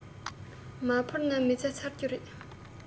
མ འཕུར ན མི ཚེ ཚར རྒྱུ རེད